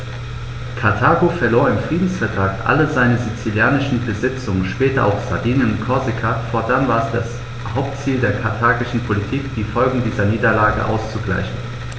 Karthago verlor im Friedensvertrag alle seine sizilischen Besitzungen (später auch Sardinien und Korsika); fortan war es das Hauptziel der karthagischen Politik, die Folgen dieser Niederlage auszugleichen.